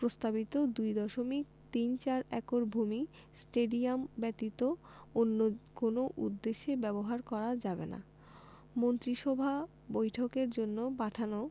প্রস্তাবিত ২ দশমিক তিন চার একর ভূমি স্টেডিয়াম ব্যতীত অন্য কোনো উদ্দেশ্যে ব্যবহার করা যাবে না মন্ত্রিসভা বৈঠকের জন্য পাঠানো